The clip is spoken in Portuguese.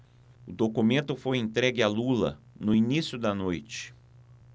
o documento foi entregue a lula no início da noite